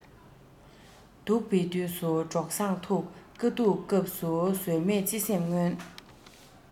སྡུག པའི དུས སུ གྲོགས བཟང ཐུག དཀའ སྡུག སྐབས སུ ཟོལ མེད བརྩེ སེམས མངོན